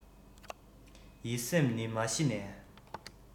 ཡིད སེམས ནི མ གཞི ནས